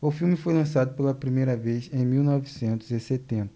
o filme foi lançado pela primeira vez em mil novecentos e setenta